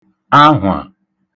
ahwa